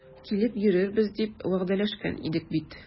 Килеп йөрербез дип вәгъдәләшкән идек бит.